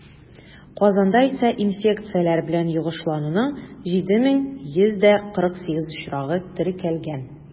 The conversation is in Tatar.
Казанда исә инфекцияләр белән йогышлануның 7148 очрагы теркәлгән.